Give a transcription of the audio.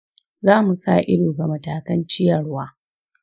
za mu sa-ido ga matakan ciyarwar